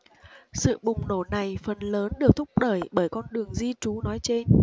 sự bùng nổ này phần lớn được thúc đẩy bởi con đường di trú nói trên